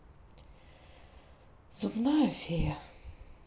зубная фея